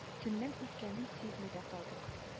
Төннең үткәнен сизми дә калдык